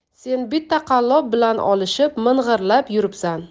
sen bitta qallob bilan olishib ming'irlab yuribsan